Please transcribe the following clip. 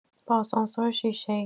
با آسانسور شیشه‌ای